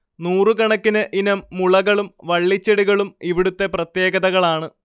നൂറുകണക്കിന് ഇനം മുളകളും വളളിച്ചെടികളും ഇവിടുത്തെ പ്രത്യേകതകളാണ്